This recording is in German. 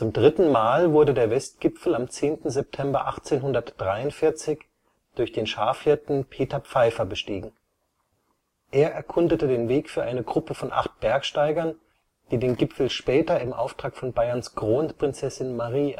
dritten Mal wurde der Westgipfel am 10. September 1843 durch den Schafhirten Peter Pfeifer bestiegen. Er erkundete den Weg für eine Gruppe von acht Bergsteigern, die den Gipfel später im Auftrag von Bayerns Kronprinzessin Marie